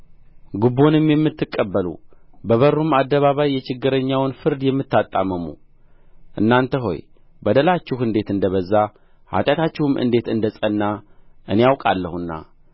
ጉቦንም የምትቀበሉ በበሩም አደባባይ የችጋረኛውን ፍርድ የምታጣምሙ እናንተ ሆይ በደላችሁ እንዴት እንደ በዛ ኃጢአታችሁም እንዴት እንደ ጸና እኔ አውቃለሁና